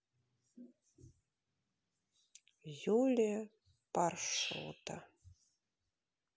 юлия паршута